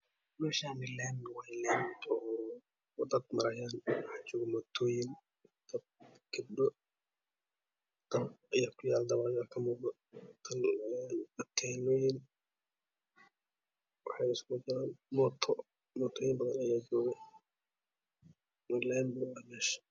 Meshan lami wayay dad marayan waxa jogo motoyin gabdho dabacyo ka muuqdo antenoyin kamuqdo motoyin badan aya kamuqdo mesha waa lami